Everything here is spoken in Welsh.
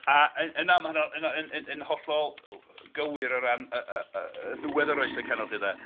hollol gywir o rhan yy ddiwedd yr Oesau Canol 'lly 'de.